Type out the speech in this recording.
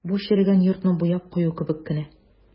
Бу черегән йортны буяп кую кебек кенә.